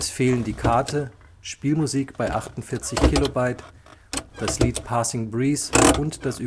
fehlen die Karte, Spielmusik bei 48K, das Lied Passing Breeze und das